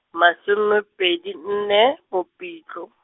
masomepedi nne, Mopitlo.